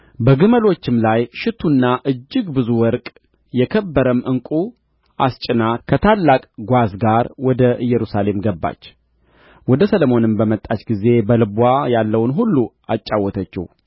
በግመሎችም ላይ ሽቱና እጅግ ብዙ ወርቅ የከበረም ዕንቍ አስጭና ከታላቅ ጓዝ ጋር ወደ ኢየሩሳሌም ገባች ወደ ሰሎሞንም በመጣች ጊዜ በልብዋ ያለውን ሁሉ አጫወተችው